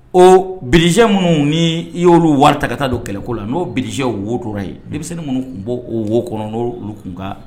O bilisijɛ minnu ni y'olu wari ta ka taa don kɛlɛ la n'o bilisiw wo tora ye de bɛ minnu tun b bɔ o wo kɔnɔ n'olu tunkan